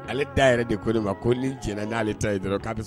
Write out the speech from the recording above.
Ale da yɛrɛ de ko de ma ko ni n'ale ta yen dɔrɔn